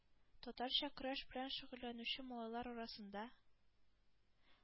Татарча көрәш белән шөгыльләнүче малайлар арасында